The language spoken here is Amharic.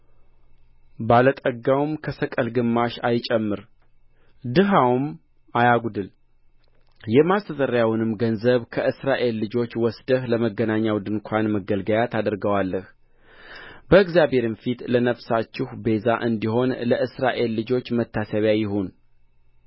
ባለ ጠጋው ከሰቅል ግማሽ አይጨምር ድሀውም አያጕድል የማስተስረያውንም ገንዘብ ከእስራኤል ልጆች ወስደህ ለመገናኛው ድንኳን ማገልገያ ታደርገዋለህ በእግዚአብሔርም ፊት ለነፍሳችሁ ቤዛ እንዲሆን ለእስራኤል ልጆች መታሰቢያ ይሁን